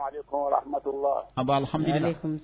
Ha